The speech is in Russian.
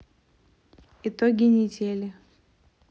итоги недели